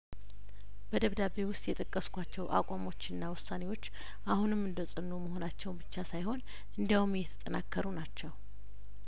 በደብዳቤው ውስጥ የጠቀስኳቸው አቋሞችና ውሳኔዎች አሁንም እንደጸኑ መሆናቸውን ብቻ ሳይሆን እንዲያውም እየተጠናከሩ ናቸው